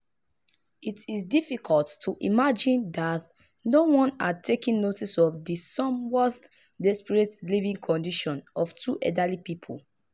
According to the 2016 population census, there were about 1.16 million people aged 65 and over in Hong Kong—about 15.9 per cent of the total population.